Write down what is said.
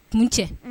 Mun ce